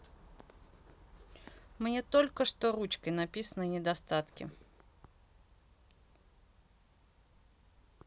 мне только то что ручкой написано недостатки